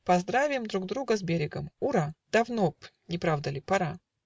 Поздравим Друг друга с берегом. Ура! Давно б (не правда ли?) пора!